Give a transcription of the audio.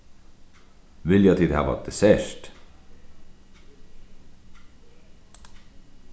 vilja tit hava dessert